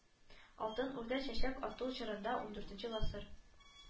Алтын Урда чәчәк ату чорында, ундүртенче гасыр